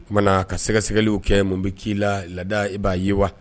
O kumana ka sɛgɛ-sɛgɛliw kɛ mun be k'i la ladaa i b'a ye wa